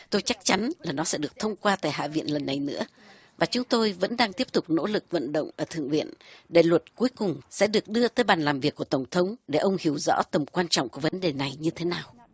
tôi chắc chắn là nó sẽ được thông qua tại hạ viện lần này nữa và chúng tôi vẫn đang tiếp tục nỗ lực vận động ở thượng viện đến luật cuối cùng sẽ được đưa tới bàn làm việc của tổng thống để ông hiểu rõ tầm quan trọng của vấn đề này như thế nào